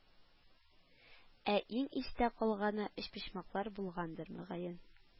Ә иң истә калганы өчпочмаклар булгандыр, мөгаен